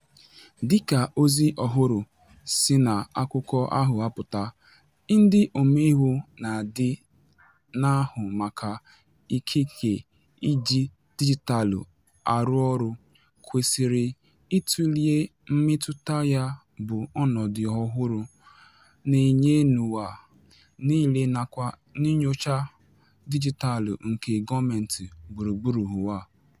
Dịka ozi ọhụrụ si na akụkọ ahụ apụta, ndị omeiwu na-adị na-ahụ maka ikike iji dijitalụ arụ ọrụ kwesịrị itule mmetụta ya bụ ọnọdụ ọhụrụ na-enye n'ụwa niile nakwa nnyocha dijitalụ nke gọọmentị gburugburu ụwa.